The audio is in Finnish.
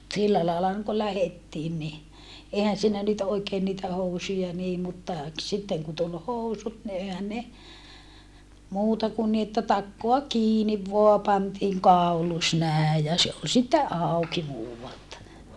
sillä lailla on kun lähdettiin niin eihän siinä nyt oikein niitä housuja niin mutta - sitten kun tuli housut niin eihän ne muuta kun niin että takaa kiinni vain pantiin kaulus näin ja se oli sitten auki muualta